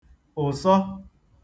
ụ̀sọ